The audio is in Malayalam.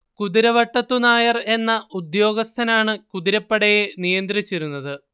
കുതിരവട്ടത്തു നായർ എന്ന ഉദ്യോഗസ്ഥനാണ് കുതിരപ്പടയെ നിയന്ത്രിച്ചിരുന്നത്